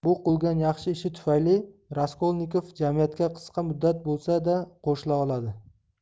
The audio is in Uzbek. bu qilgan yaxshi ishi tufayli raskolnikov jamiyatga qisqa muddat bo'lsa da qo'shila oladi